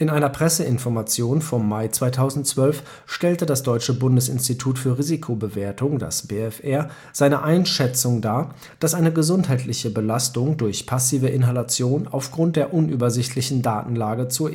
einer Presseinformation vom Mai 2012 stellte das deutsche Bundesinstitut für Risikobewertung (BfR) seine Einschätzung dar, dass eine gesundheitliche Belastung durch passive Inhalation aufgrund der unübersichtlichen Datenlage zu